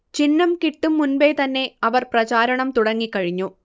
ചിഹ്നം കിട്ടും മുൻപേ തന്നെ അവർ പ്രചാരണം തുടങ്ങിക്കഴിഞ്ഞു